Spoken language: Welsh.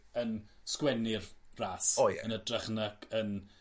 yn sgwennu'r ras. O ie. Y ytrach nac yn